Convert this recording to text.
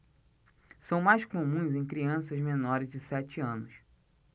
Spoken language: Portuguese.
são mais comuns em crianças menores de sete anos